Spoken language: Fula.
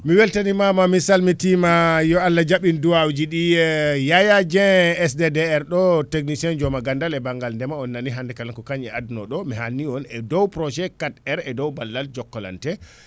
mi weltanimama mi salmitima yo Allah jaab en duwawuji ɗi e Yaya Dieng SDDR ɗo technicien joom a gandal e banggal ndeema on nani hande kala ko kañi adduno ɗo mi halni on e dow projet quatre aire e dow ballal jokalante